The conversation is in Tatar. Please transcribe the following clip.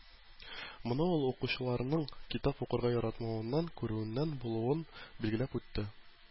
Моны ул укучыларның китап укырга яратмавыннан күрүеннән булуын билгеләп үтте.